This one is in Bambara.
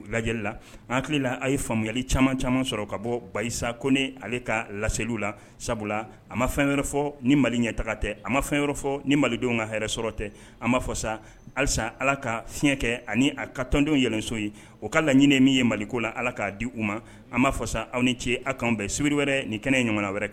U lajɛla an hakili la a ye faamuyayali caman caman sɔrɔ ka bɔ basa konen ale ka laseliw la sabula a ma fɛn wɛrɛ fɔ ni mali ɲɛ tagatɛ a ma fɛn wɛrɛ fɔ ni malidenw ka hɛrɛɛrɛsɔrɔ tɛ a ma fɔsa halisa ala ka fiɲɛ kɛ ani a ka tɔndenw yɛlɛso ye o k ka laɲini min ye maliko la ala k'a di u ma a ma fasa aw ni ce aw kan bɛɛ sbi wɛrɛ nin kɛnɛ ɲɔgɔn wɛrɛ kan